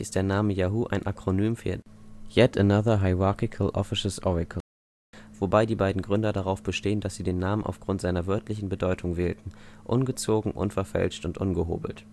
Name Yahoo ein Akronym für Yet Another Hierarchical Officious Oracle, wobei die beiden Gründer darauf bestehen, dass sie den Namen aufgrund seiner wörtlichen Bedeutung wählten: ungezogen, unverfälscht und ungehobelt